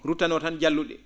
ruttanoo tan jallu?i ?i